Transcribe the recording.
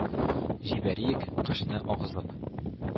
Җибәриек кышны агызып.